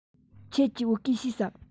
ཁྱེད ཀྱིས བོད སྐད ཤེས སམ